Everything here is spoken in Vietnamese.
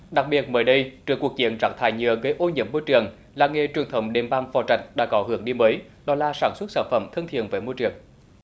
đặc biệt mới đây trước cuộc chiến rác thải nhựa gây ô nhiễm môi trường làng nghề truyền thống đệm bàng phò trạch đã có hướng đi mới đó là sản xuất sản phẩm thân thiện với môi trường